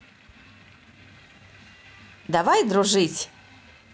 давай дружить